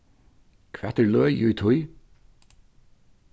hvat er løgið í tí